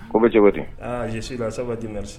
Ko bɛ cogo aaa ye se a sabaliti mari